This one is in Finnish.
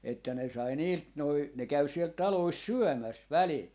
että ne sai niiltä nuo ne käy siellä taloissa syömässä välillä